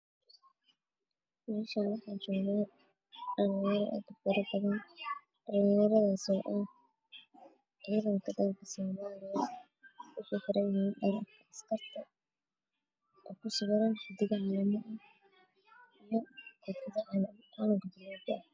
Meeshan waxaa jooga ciidan ka xooga dalka ah oo booliis ah oo wataan shatiyo caddeys koofiyo bluuk meel ay fadhiyaan